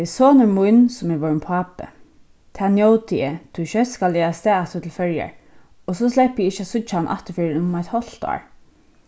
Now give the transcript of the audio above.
tað er sonur mín sum er vorðin pápi tað njóti eg tí skjótt skal eg avstað aftur til føroyar og so sleppi eg ikki at síggja hann aftur fyrr enn um eitt hálvt ár